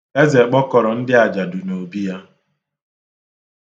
Eze kpọkọrọ ndị ajadu n'obi ya.